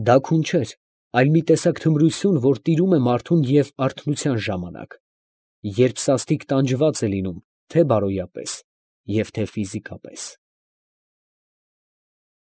Դա քուն չէր, այլ մի տեսակ թմրություն, որ տիրում է մարդուն և արթնության ժամանակ, երբ սաստիկ տանջված է լինում, թե՛ բարոյապես և թե՛ ֆիզիկապես։